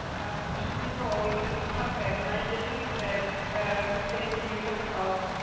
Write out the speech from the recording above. yym jyst yn mynd yn ôl i Llanbed, oedd 'na un weithred, gweithredu unigolgyrchol,